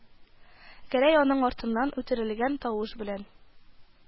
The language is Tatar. Гәрәй аның артыннан үтерелгән тавыш белән: